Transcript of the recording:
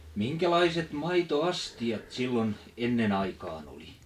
minkälaiset maitoastiat silloin ennen aikaan oli